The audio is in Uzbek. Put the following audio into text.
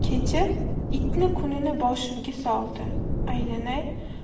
kecha itni kunini boshimga soldi aylanay